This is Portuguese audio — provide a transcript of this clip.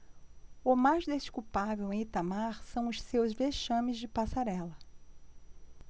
o mais desculpável em itamar são os seus vexames de passarela